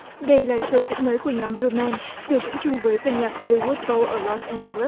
đây là sâu diễn mới của nhóm bờ lu men biểu diễn chung với dàn nhạc ho ly út bâu ở lót en giơ lớt